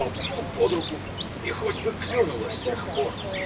болтнул под руку – и хоть бы клюнуло с тех пор.